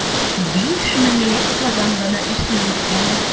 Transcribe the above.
Биш меңләп казанлыны эшле иткән ул.